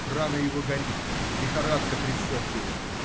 Рана его горит, лихорадка трясет его.